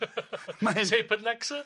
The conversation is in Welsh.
mae'n... Tapered neck sir?